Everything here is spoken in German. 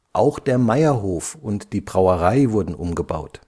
Auch der Meierhof und die Brauerei wurden umgebaut